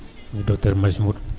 muy docteur Majmout